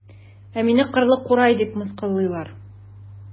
Ә мине кырлы курай дип мыскыллыйлар.